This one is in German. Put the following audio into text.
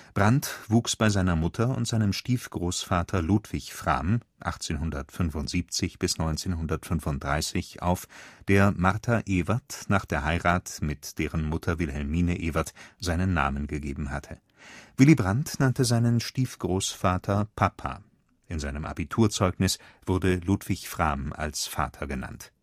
Brandt wuchs bei seiner Mutter und seinem Stiefgroßvater Ludwig Frahm (1875 – 1935) auf, der Martha Ewert nach der Heirat mit deren Mutter Wilhelmine Ewert seinen Namen gegeben hatte. Willy Brandt nannte seinen Stiefgroßvater Papa. In seinem Abiturzeugnis wurde Ludwig Frahm als Vater genannt